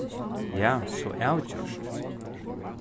ja so avgjørt